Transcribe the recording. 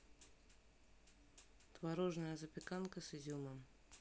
творожная запеканка с изюмом